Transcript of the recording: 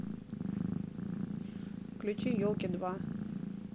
включи елки два